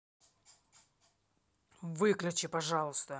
выключи пожалуйста